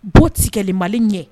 O tigɛlilima ɲɛ